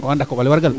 o anda koɓale wargal